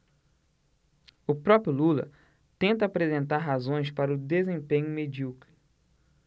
o próprio lula tenta apresentar razões para o desempenho medíocre